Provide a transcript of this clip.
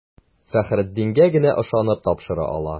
Фәхреддингә генә ышанып тапшыра ала.